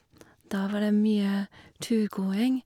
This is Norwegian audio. Da var det mye turgåing.